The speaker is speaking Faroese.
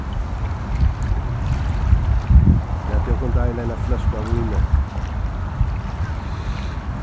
latið okkum deila eina fløsku av víni